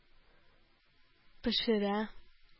Пешерә